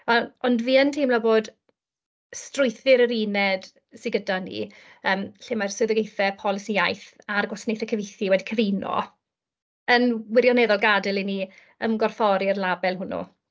A... ond fi yn teimlo bod strwythur yr uned sy gyda ni, yym lle ma'r swyddogaethe polisi iaith a'r gwasanaethau cyfeithu wedi cyfuno, yn wirioneddol gadael i ni ymgorffori'r label hwnnw.